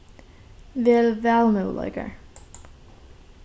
vel valmøguleikar